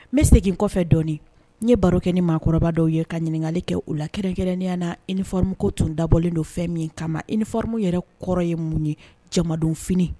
Ne segin kɔfɛ dɔɔnin ye barokɛ ni maakɔrɔba dɔw ye ka ɲininkali kɛ u la kɛrɛnkɛrɛnnenya na ifaorom tun dabɔlen don fɛn min kama ifɔoromu yɛrɛ kɔrɔ ye mun ye jamanadonf